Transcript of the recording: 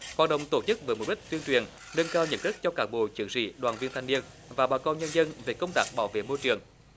hoạt động tổ chức với mục đích tuyên truyền nâng cao nhận thức cho cán bộ chiến sĩ đoàn viên thanh niên và bà con nhân dân về công tác bảo vệ môi trường